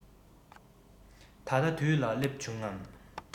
ད ལྟ དུས ལ བསླེབས བྱུང ངམ